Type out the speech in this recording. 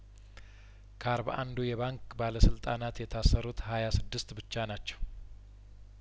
ከአርባ አንዱ የባንክ ባለስልጣናት የታሰሩት ሀያ ስድስት ብቻ ናቸው